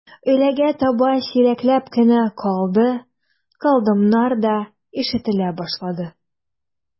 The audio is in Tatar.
Өйләгә таба сирәкләп кенә «калды», «калдым»нар да ишетелә башлады.